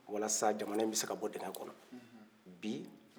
walasa jamanayin bɛ se ka bɔ dingɛ kɔnɔ bi